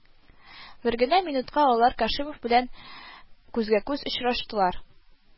Бер генә минутка алар Кашимов белән күзгә-күз очраштылар